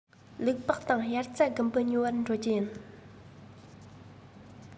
ལུག པགས དང དབྱར རྩྭ དགུན འབུ ཉོ བར འགྲོ རྒྱུ ཡིན